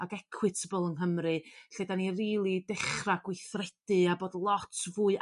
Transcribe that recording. ac ecwitabl yng Nghymru lle 'dan ni rili dechra gweithredu a bod lot fwy